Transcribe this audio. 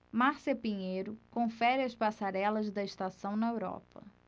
márcia pinheiro confere as passarelas da estação na europa